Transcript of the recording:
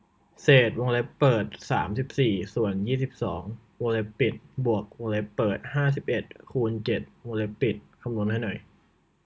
เศษวงเล็บเปิดสามสิบสี่ส่วนยี่สิบสองวงเล็บปิดบวกวงเล็บเปิดห้าสิบเอ็ดคูณเจ็ดวงเล็บปิดคำนวณให้หน่อย